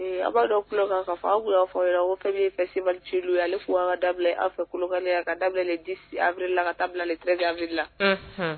A b'a dɔ kukan ka awbu y'a fɔ o fɛn bɛ e fɛ se ci ale f ka da aw fɛkanle a ka dadula ka dabila tre arila